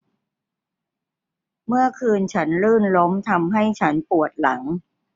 เมื่อคืนฉันลื่นล้มทำให้ฉันปวดหลัง